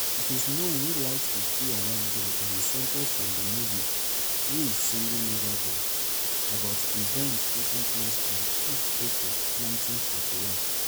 It is known who likes to steal around here! is a sentence from the movie "Who's Singin’ Over There?" about events taking place on 5 April 1941.